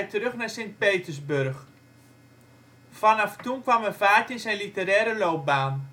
terug naar Sint-Petersburg. Vanaf toen kwam er vaart in zijn literaire loopbaan